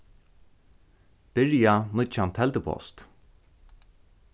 byrja nýggjan teldupost